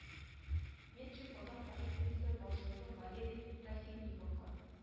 Метшин казан полициясе башлыгы валерий красильниковка